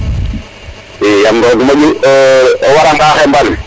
i yaam roong moƴu o wara nga xemban